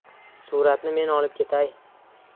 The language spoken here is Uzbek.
suratni men olib ketay